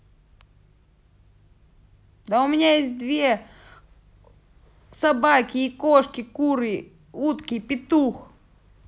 да у меня есть две собаки и кошки куры утки петух